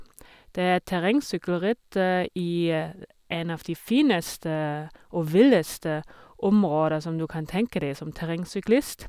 Det er et terrengsykkelritt i en av de fineste og villeste områder som du kan tenke deg som terrengsyklist.